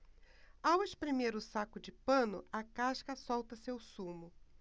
ao espremer o saco de pano a casca solta seu sumo